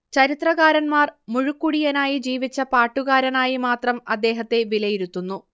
ചരിത്രകാരന്മാർ മുഴുക്കുടിയനായി ജീവിച്ച പാട്ടുകാരനായി മാത്രം അദ്ദേഹത്തെ വിലയിരുത്തുന്നു